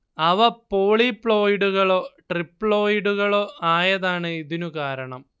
അവ പോളിപ്ലോയിഡുകളോ ട്രിപ്ലോയിടുകളോ ആയതാണ് ഇതിനു കാരണം